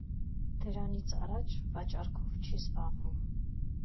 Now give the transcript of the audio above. Դրանից առաջ վաճառքով էի զբաղվում։